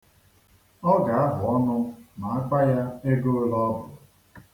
Ọ ga-ahụ ọnụ ma a gwa ya ego ole ọ bụ.